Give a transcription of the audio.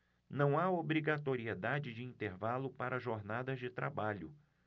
não há obrigatoriedade de intervalo para jornadas de trabalho